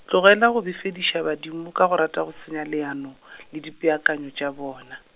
tlogela go befediša badimo ka go rata go senya leano, le dipeakanyo tša bona.